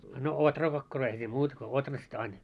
no ohrakakkaroita eihän siinä muuta kuin ohrasta aina